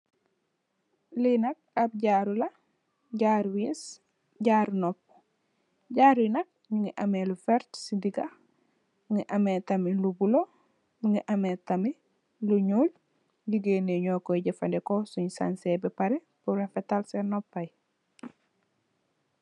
Li nak ap jaaru la jaaru wiss jaaru noopa jaaru yi nak mogi ame lu werta si diga mogi ame tamit lu nuul jigeen nyi noi koi jefendeko suun sancex mba pareh pul refatal sen noppai.